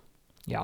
Ja.